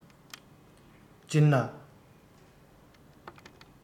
སྤྱིར ན